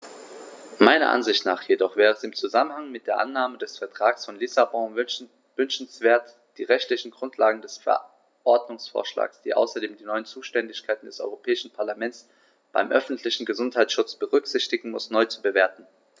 Meiner Ansicht nach jedoch wäre es im Zusammenhang mit der Annahme des Vertrags von Lissabon wünschenswert, die rechtliche Grundlage des Verordnungsvorschlags, die außerdem die neuen Zuständigkeiten des Europäischen Parlaments beim öffentlichen Gesundheitsschutz berücksichtigen muss, neu zu bewerten.